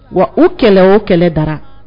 Wa o kɛlɛ o kɛlɛ bara